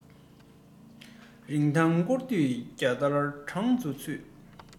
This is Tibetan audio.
རིན ཐང སྐོར དུས བརྒྱ སྟར གྲངས སུ ཚུད